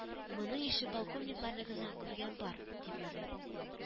Моның ише полковникларны гына күргән бар, дип уйлый